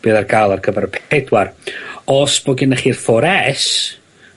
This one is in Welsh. be' odd ar ga'l ar gyfar y pedwar. Os bo' gennych chi'r four es,